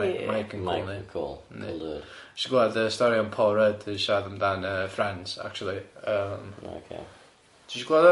Mike, Michael nes i glwed yy stori am Paul Rudd fi'n siarad amdan yy friends actually yym.. oh ia. Tisio glwed o?